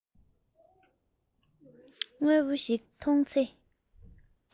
དངོས པོ ཞིག མཐོང ཚེ